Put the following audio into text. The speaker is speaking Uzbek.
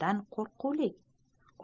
undan qo'rqqulik